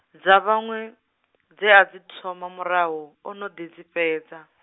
dza vhaṅwe, dze a dzi thoma murahu, ono ḓi dzi fhedza.